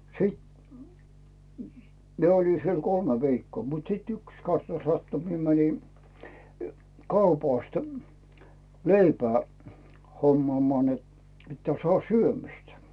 siten minä olin siellä kolme viikkoa mutta sitten yksi kasna sattui minä menin kaupasta leipää hommaamaan että pitää saada syömistä